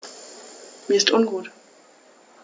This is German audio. Mir ist ungut.